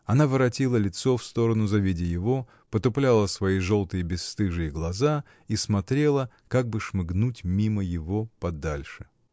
Она воротила лицо в сторону, завидя его, потупляла свои желтые, бесстыжие глаза и смотрела, как бы шмыгнуть мимо его подальше.